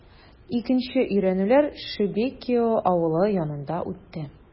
Икенче өйрәнүләр Шебекиио авылы янында үтте.